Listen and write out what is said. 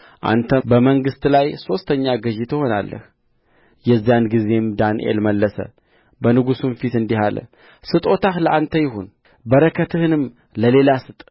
አንተም በመንግሥት ላይ ሦስተኛ ገዥ ትሆናለህ የዚያን ጊዜም ዳንኤል መለሰ በንጉሡም ፊት እንዲህ አለ ስጦታህ ለአንተ ይሁን በረከትህንም ለሌላ ስጥ